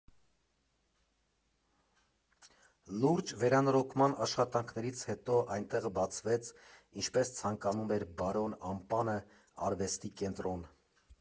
Լուրջ վերանորոգման աշխատանքներից հետո այնտեղ բացվեց՝ ինչպես ցանկանում էր բարոն Ամպանը, Արվեստի կենտրոն։